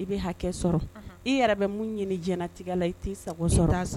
I bɛ hakɛ sɔrɔ i yɛrɛ bɛ mun ɲini jtigɛ la i tɛ sagoda